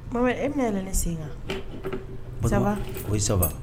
Tuma e bɛna yɛlɛ ni sen kansaba o bɛ soba